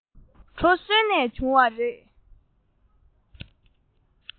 གྲོ སོན ནས བྱུང བ རེད